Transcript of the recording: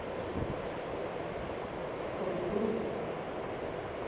ты что дура совсем